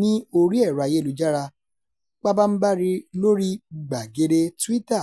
ní orí ẹ̀rọ ayélujára, pabambarì lóríi gbàgede Twitter.